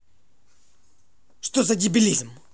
что за дебилизм